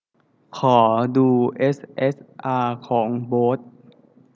ขอดูเอสเอสอาของโบ๊ท